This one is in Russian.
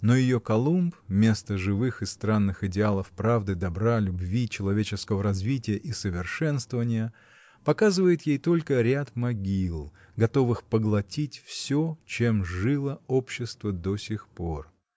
Но ее Колумб вместо живых и страстных идеалов правды, добра, любви, человеческого развития и совершенствования показывает ей только ряд могил, готовых поглотить всё, чем жило общество до сих пор.